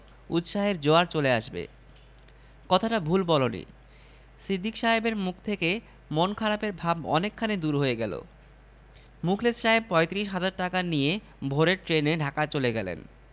উৎসাহের জোয়ার চলে আসবে কথাটা ভুল বলনি সিদ্দিক সাহেবের মুখ থেকে মন খারাপের ভাব অনেকখানি দূর হয়ে গেল মুখলেস সাহেব পয়ত্রিশ হাজার টাকা নিয়ে ভোরের ট্রেনে ঢাকা চলে গেলেন